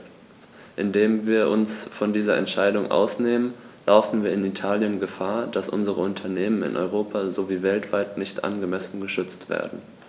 Indem wir uns von dieser Entscheidung ausnehmen, laufen wir in Italien Gefahr, dass unsere Unternehmen in Europa sowie weltweit nicht angemessen geschützt werden.